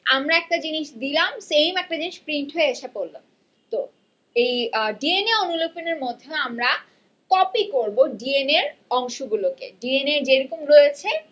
আমরা একটা জিনিস দিলাম সেইম একটা জিনিস প্রিন্ট হয়ে এসে পড়ল তো এই ডিএনএ অনুলিপন এর মধ্যে আমরা কপি করব ডিএনএর অংশগুলোকে ডিএনএ যেরকম রয়েছে